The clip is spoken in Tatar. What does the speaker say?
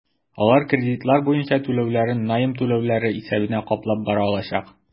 Алар кредитлар буенча түләүләрен найм түләүләре исәбенә каплап бара алачак.